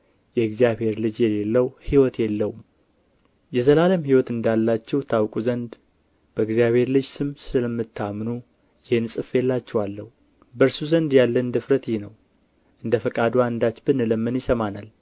የእግዚአብሔር ልጅ የሌለው ሕይወት የለውም የዘላለም ሕይወት እንዳላችሁ ታውቁ ዘንድ በእግዚአብሔር ልጅ ስም ለምታምኑ ይህን ጽፌላችኋለሁ በእርሱ ዘንድ ያለን ድፍረት ይህ ነው እንደ ፈቃዱ አንዳች ብንለምን ይሰማናል